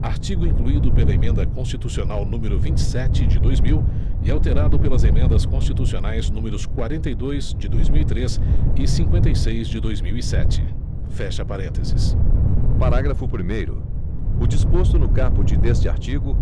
artigo incluído pela emenda constitucional número vinte e sete de dois mil e alterado pelas emendas constitucionais números quarenta e dois de dois mil e três e cinquenta e seis de dois mil e sete fecha parênteses parágrafo primeiro o disposto no caput deste artigo